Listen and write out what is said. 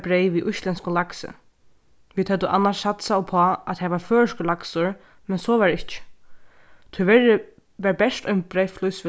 breyð við íslendskum laksi vit høvdu annars satsað upp á at har var føroyskur laksur men so var ikki tíverri var bert ein breyðflís